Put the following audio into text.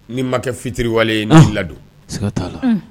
N'i ma kɛ fitiriwale ye ni ladon se ka t'a la